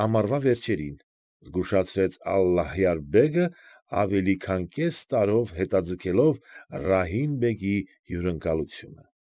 Ամսվա վերջին,֊ զգուշացրեց Ալլահյար֊բեգը, ավելի քան կես տարով հետաձգելով Ռահիմ֊բեգի հյուրընկալությունը։ ֊